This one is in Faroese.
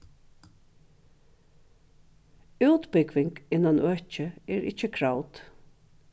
útbúgving innan økið er ikki kravd